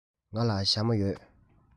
ང ལ ཞྭ མོ ཡོད